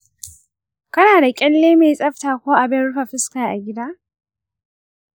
kana da kyalle mai tsafta ko abin rufe fuska a gida?